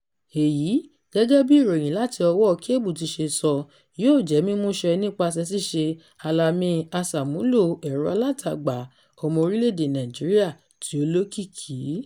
Èyí, gẹ́gẹ́ bí ìròyìn láti ọwọ́ọ Cable ti ṣe sọ, yóò jẹ́ mímú ṣẹ nípasẹ̀ ṣíṣe alamí aṣàmúlò ẹ̀rọ-alátagbà "ọmọ orílẹ̀-èdè Nàìjíríà tí ó lókìkí".